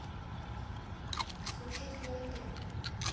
слушать монтре